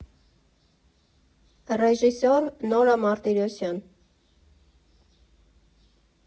Ռեժիսոր՝ Նորա Մարտիրոսյան։